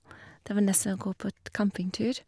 Det var nesten å gå på t campingtur.